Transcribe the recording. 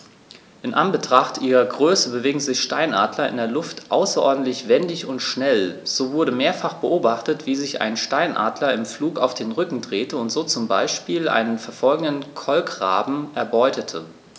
In Anbetracht ihrer Größe bewegen sich Steinadler in der Luft außerordentlich wendig und schnell, so wurde mehrfach beobachtet, wie sich ein Steinadler im Flug auf den Rücken drehte und so zum Beispiel einen verfolgenden Kolkraben erbeutete.